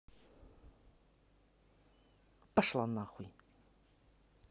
пошла ты нахуй